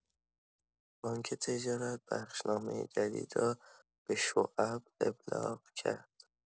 بانک تجارت بخشنامه جدید را به شعب ابلاغ کرد.